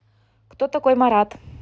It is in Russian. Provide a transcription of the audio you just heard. кто такой марат